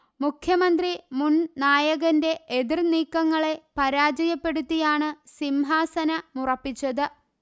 മുഖ്യമന്ത്രി മുൻനായകന്റെ എതിർ നീക്കങ്ങളെ പരാജയപ്പെടുത്തിയാണ് സിംഹാസനമുറപ്പിച്ചത്